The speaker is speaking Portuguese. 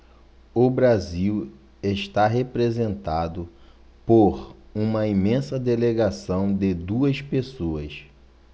o brasil está representado por uma imensa delegação de duas pessoas